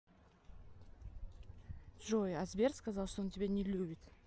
джой а сбер сказал то что он тебя не любит